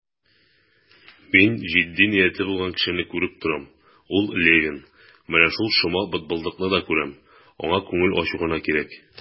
Мин җитди нияте булган кешене күреп торам, ул Левин; менә шул шома бытбылдыкны да күрәм, аңа күңел ачу гына кирәк.